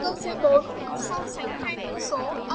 câu c so sánh hai phân số